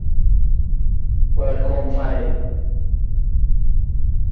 เปิดโคมไฟ